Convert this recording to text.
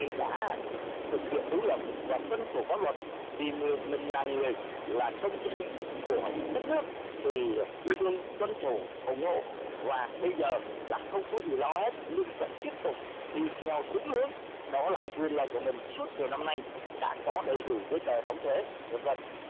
thì đã thực hiện đúng luật và tuân thủ pháp luật vì mìn là người là công dân của đất nước thì luôn luôn tuân thủ ủng hộ và bây giờ là không có gì lo hết nhưng vẫn tiếp tục đi theo đúng hướng đó là quyền lợi của mìn suốt nhiều năm nay đã có đầy đủ giấy tờ đóng thuế vân vân